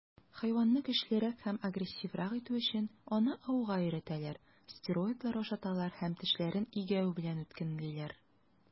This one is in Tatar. Хайванны көчлерәк һәм агрессиврак итү өчен, аны ауга өйрәтәләр, стероидлар ашаталар һәм тешләрен игәү белән үткенлиләр.